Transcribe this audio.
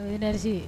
Ose